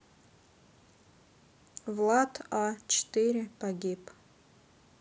влад а четыре погиб